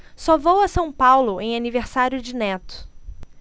só vou a são paulo em aniversário de neto